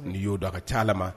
N' y'o da ka ca ma